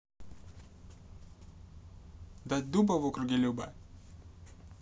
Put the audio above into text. дать дуба в округе люба